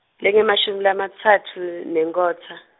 lengemashumi lamatsatfu, nenkotsa.